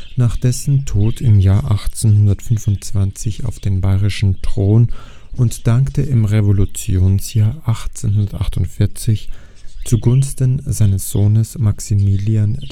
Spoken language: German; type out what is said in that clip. nach dessen Tod im Jahre 1825 auf den bayerischen Thron und dankte im Revolutionsjahr 1848 zugunsten seines Sohnes Maximilian